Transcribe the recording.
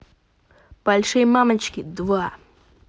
большие мамочки два